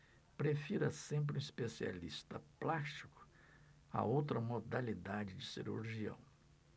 prefira sempre um especialista plástico a outra modalidade de cirurgião